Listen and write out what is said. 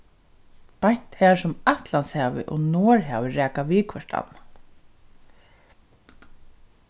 beint har sum atlantshavið og norðhavið raka við hvørt annað